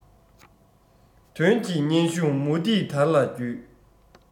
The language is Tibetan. དོན གྱི སྙན ཞུ མུ ཏིག དར ལ བརྒྱུས